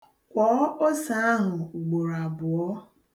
Kwọọ ose ahụ ugboroabụọ.